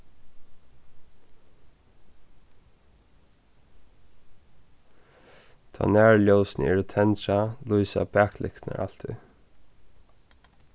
tá nærljósini eru tendrað lýsa baklyktirnar altíð